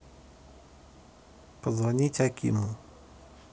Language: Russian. позвонить акиму